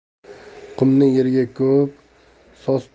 qumni yerga ko'mib soz